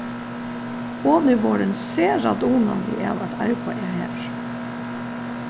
hon er vorðin sera dugnalig av at arbeiða har